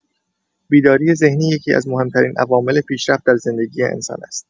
بیداری ذهنی یکی‌از مهم‌ترین عوامل پیشرفت در زندگی انسان است.